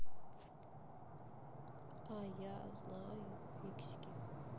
а я знаю фиксики